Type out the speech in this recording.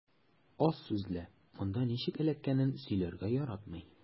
Аз сүзле, монда ничек эләккәнен сөйләргә яратмый.